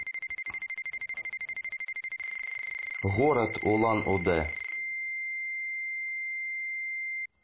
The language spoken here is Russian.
город улан удэ